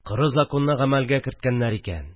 Коры законны гамәлгә керткәннәр икән